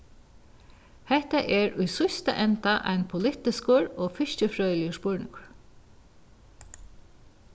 hetta er í síðsta enda ein politiskur og fiskifrøðiligur spurningur